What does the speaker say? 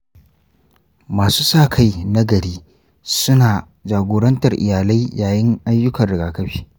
masu sa kai na gari suna jagorantar iyalai yayin ayyukan rigakafi.